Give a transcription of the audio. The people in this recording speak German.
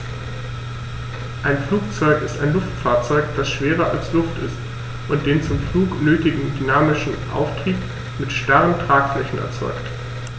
Ein Flugzeug ist ein Luftfahrzeug, das schwerer als Luft ist und den zum Flug nötigen dynamischen Auftrieb mit starren Tragflächen erzeugt.